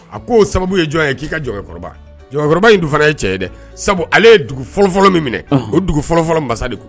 A ko sababu ye jɔn ye k'i ka in dun fana ye cɛ ye dɛ sabu ale ye dugu fɔlɔfɔlɔ min minɛ o dugu fɔlɔfɔlɔ masa deku